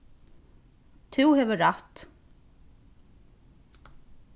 tú hevur rætt